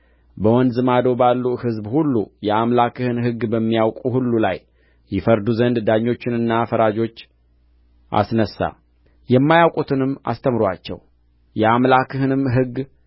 በወንዝ ማዶ ባሉ ሕዝብ ሁሉ የአምላክህን ሕግ በሚያውቁ ሁሉ ላይ ይፈርዱ ዘንድ ዳኞችንና ፈራጆች አስነሣ የማያውቁትንም አስተምሩአቸው የአምላክህንም ሕግ